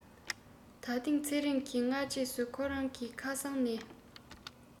ད ཐེངས ཚེ རིང གིས སྔ རྗེས སུ ཁོ རང གི ཁ སང ནས